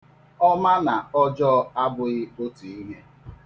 Ọma na ọjọọ abụghị otu ihe.